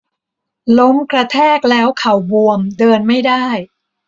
ล้มกระแทกแล้วเข่าบวมเดินไม่ได้